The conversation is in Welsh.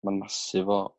ma'n massive o